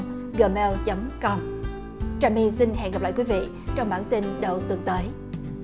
gờ meo chấm com trà my xin hẹn gặp lại quý vị trong bản tin đầu tuần tới